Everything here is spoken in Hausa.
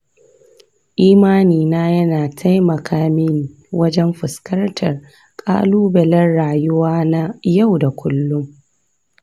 imanina yana taimaka mini wajen fuskantar ƙalubalen rayuwa na yau da kullum.